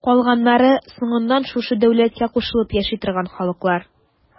Калганнары соңыннан шушы дәүләткә кушылып яши торган халыклар.